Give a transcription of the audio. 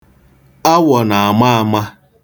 Awọ na-ama ama.